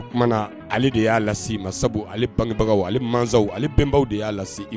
O tumana na ale de y'a lase ma sabu ale bangebaga ale mazw ale bɛnbaw de y'a lase